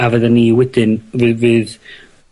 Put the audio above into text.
A fyddan ni wedyn, mi fydd